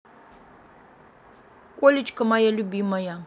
олечка моя любимая